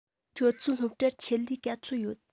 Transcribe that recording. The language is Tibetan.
ཁྱོད ཚོའི སློབ གྲྭར ཆེད ལས ག ཚོད ཡོད